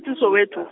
tswe Soweto.